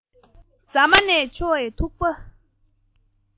རྫ མ ནས འཕྱོ བའི ཐུག པ